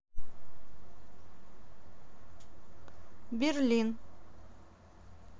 berlin